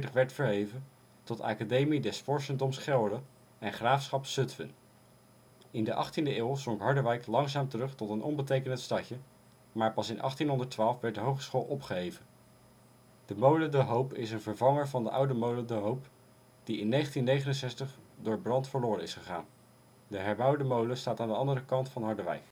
werd verheven tot Academie des Vorstendoms Gelre en Graafschap Zutphen. In de 18de eeuw zonk Harderwijk langzaam terug tot een onbetekenend stadje, maar pas in 1812 werd de hogeschool opgeheven. De molen De Hoop is een vervanger van de oude molen De Hoop, die in 1969 door brand verloren is gegaan. De herbouwde molen staat aan de andere kant van Harderwijk